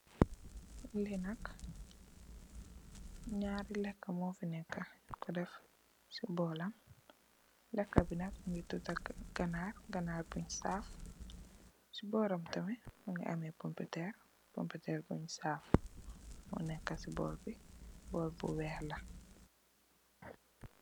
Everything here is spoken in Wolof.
li nak nyaar leka a mofi neka nyung ko def ci bolam leka bi nak mungi tuda ganar ganar bunj saaf ci boram tamit mungi ameh pompeteer pompeteer bunj saaf moneka ci boowl bi boowl bu weex la